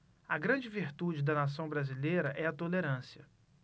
a grande virtude da nação brasileira é a tolerância